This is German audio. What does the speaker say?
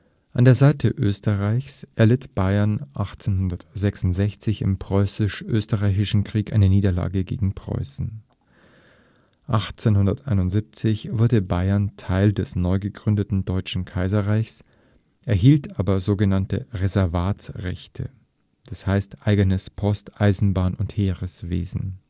An der Seite Österreichs erlitt Bayern 1866 im Preußisch-Österreichischen Krieg eine Niederlage gegen Preußen. 1871 wurde Bayern Teil des neu gegründeten Deutschen Kaiserreiches, erhielt aber so genannte Reservatrechte (eigenes Post -, Eisenbahn - und Heereswesen